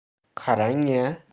qarang a